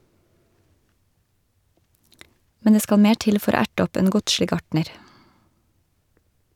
Men det skal mer til for å erte opp en godslig gartner.